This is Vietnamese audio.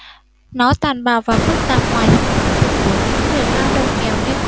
nó tàn bạo và phức tạp ngoài sức tưởng tượng của những người lao động nghèo như cô